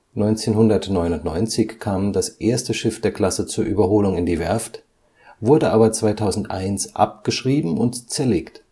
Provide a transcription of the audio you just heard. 1999 kam das erste Schiff der Klasse zur Überholung in die Werft, wurde aber 2001 abgeschrieben und zerlegt